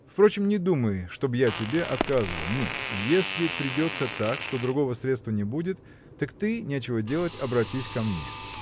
Впрочем, не думай, чтоб я тебе отказывал нет если придется так что другого средства не будет так ты нечего делать обратись ко мне.